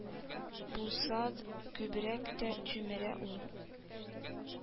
Булса күбрәк тә чүмерә ул